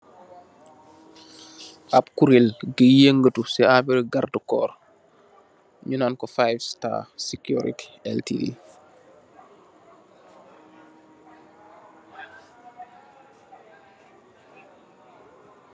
Ap kurel gui yangaru ci walli gardeh xoor ñu Nan ko fiya servis.